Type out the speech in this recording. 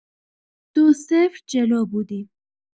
دو-صفر جلو بودیم